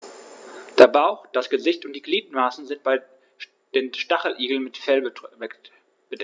Der Bauch, das Gesicht und die Gliedmaßen sind bei den Stacheligeln mit Fell bedeckt.